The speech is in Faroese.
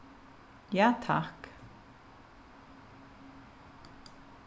ja takk